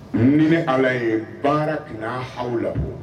Ni ni ala ye baara na aw labɔ